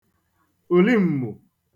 ùlim̀mù